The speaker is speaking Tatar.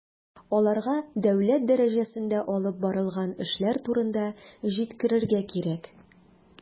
Аларга дәүләт дәрәҗәсендә алып барылган эшләр турында җиткерергә кирәк.